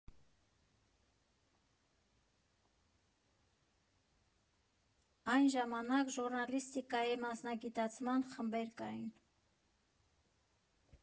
Այն ժամանակ ժուռնալիստիկայի մասնագիտացման խմբեր կային։